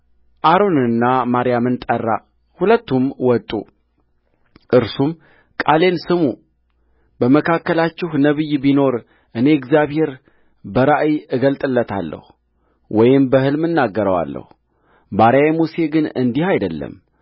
አሮንንና ማርያምን ጠራ ሁለቱም ወጡእርሱም ቃሌን ስሙ በመካከላችሁ ነቢይ ቢኖር እኔ እግዚአብሔር በራእይ እገለጥለታለሁ ወይም በሕልም እናገረዋለሁባሪያዬ ሙሴ ግን እንዲህ አይደለም